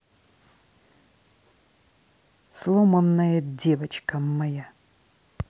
сломанная девочка моя